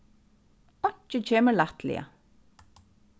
einki kemur lættliga